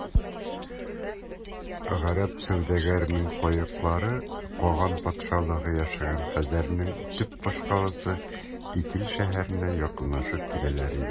Гарәп сәүдәгәренең каеклары каган патшалыгы яшәгән хәзәрнең төп башкаласы Итил шәһәренә якынлашып киләләр иде.